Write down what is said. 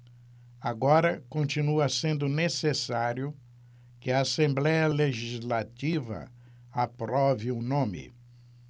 agora continua sendo necessário que a assembléia legislativa aprove o nome